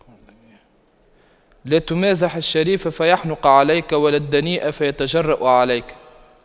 لا تمازح الشريف فيحنق عليك ولا الدنيء فيتجرأ عليك